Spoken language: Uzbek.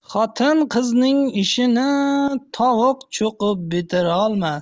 xotin qizning ishini tovuq cho'qib bitirolmas